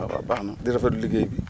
waaw waaw baax na di rafetlu liggéey bi